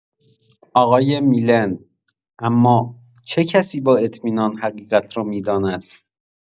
آقای میلن: اما چه کسی با اطمینان حقیقت را می‌داند؟